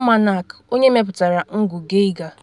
Almanak: Onye mepụtara ngụ Geiger